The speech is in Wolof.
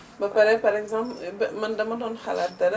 ba pare par exemple man dama doon xalaat dara